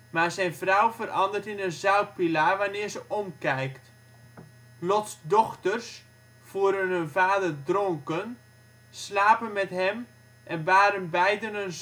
maar zijn vrouw verandert in een zoutpilaar wanneer ze omkijkt. Lots dochters voeren hun vader dronken, slapen met hem en baren beiden